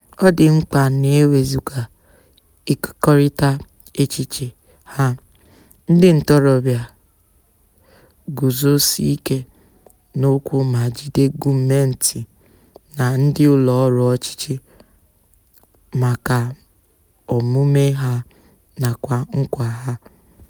Ọ dị mkpa na e wezuga ịkekọrịta echiche ha, ndị ntorobịa guzosi ike n'okwu ma jide gọọmentị na ndị ụlọọrụ ọchịchị maka omume ha nakwa nkwa ha.